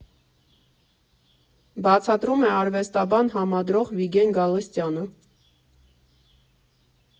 Բացատրում է արվեստաբան, համադրող Վիգեն Գալստյանը։